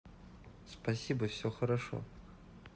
спасибо все хорошо